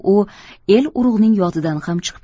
u el urug'ning yodidan ham